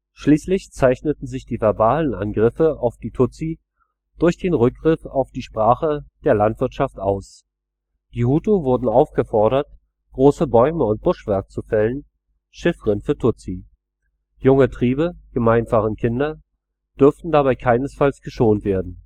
Schließlich zeichneten sich die verbalen Angriffe auf die Tutsi durch den Rückgriff auf die Sprache der Landwirtschaft aus. Die Hutu wurden aufgefordert, große Bäume und Buschwerk zu fällen – Chiffren für Tutsi. Junge Triebe – gemeint waren Kinder – dürften dabei keinesfalls geschont werden